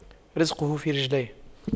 رِزْقُه في رجليه